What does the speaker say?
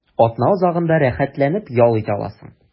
Атна азагында рәхәтләнеп ял итә аласың.